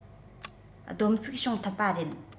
བསྡོམས ཚིག བྱུང ཐུབ པ རེད